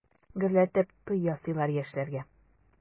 Гөрләтеп туй ясыйлар яшьләргә.